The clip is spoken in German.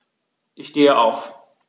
Ich stehe auf.